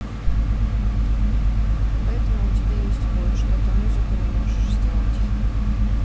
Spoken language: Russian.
поэтому у тебя есть boy что то музыку не можешь сделать